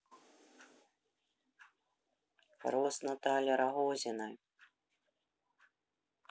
рост натальи рогозиной